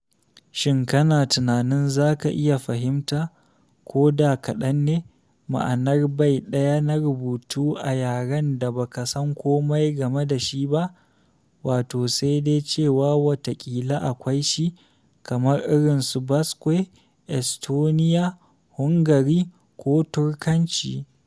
Shin kana tunanin zaka iya fahimta - ko da kaɗan ne - ma'anar bai ɗaya na rubutu a yaran da ba ka san komai game da shi ba (sai dai cewa watakila akwai shi) kamar irinsu Basque, Estoniya, Hungari ko Turkanci?